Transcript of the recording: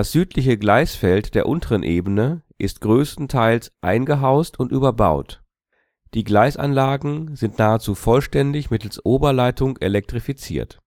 südliche Gleisfeld der unteren Ebene ist größtenteils eingehaust und überbaut. Die Gleisanlagen sind nahezu vollständig mittels Oberleitung elektrifiziert